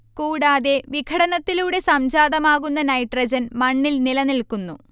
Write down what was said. കൂടാതെ വിഘടനത്തിലൂടെ സംജാതമാകുന്ന നൈട്രജൻ മണ്ണിൽ നിലനിൽക്കുന്നു